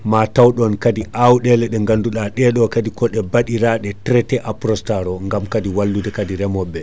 ma taw ɗon kaadi awɗele ɗe ganduɗa ɗeɗo kadi koɗe baɗiraɗe traité Aprostar o gam kadi wallude kaadi reemoɓeɓe